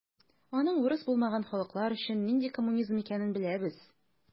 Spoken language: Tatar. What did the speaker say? Аның урыс булмаган халыклар өчен нинди коммунизм икәнен беләбез.